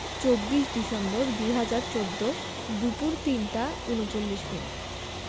২৪ December ২০১৪ দুপুর ৩টা ৩৯মিনিট